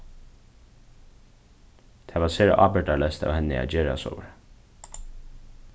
tað var sera ábyrgdarleyst av henni at gera sovorðið